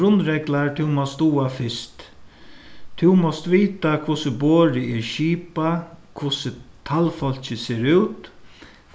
grundreglar tú mást duga fyrst tú mást vita hvussu borðið er skipað hvussu talvfólkið sær út